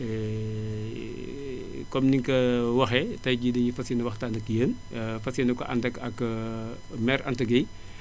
comme ni nga ko waxee tay jii dañuy fas yéene waxtaanee ak yéen fas yéene ko ànd ak % mère Anta Gueye